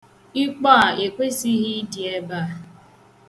Ikpo a ekwesịghị ịdị ebe a.